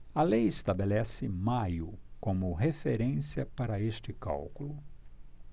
a lei estabelece maio como referência para este cálculo